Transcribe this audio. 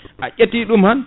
a ƴetti ɗum tan